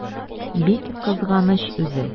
Бик кызганыч үзе!